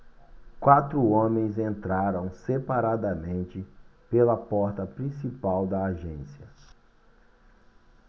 quatro homens entraram separadamente pela porta principal da agência